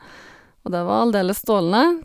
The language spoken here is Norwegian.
Og det var aldeles strålende.